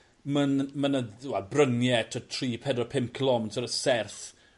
myn- mynydd- wel brynie t'wod tri pedwar pum cilometyr serth